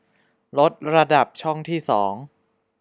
ลดระดับช่องที่สอง